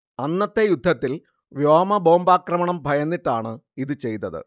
അന്നത്തെ യുദ്ധത്തിൽ വ്യോമ ബോംബാക്രമണം ഭയന്നിട്ടാണ് ഇത് ചെയ്തത്